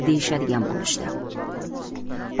deyishadigan bo'lishdi